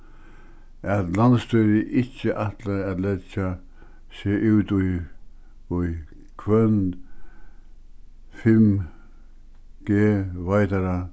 at landsstýrið ikki ætlar at leggja seg út í í hvønn 5g-veitara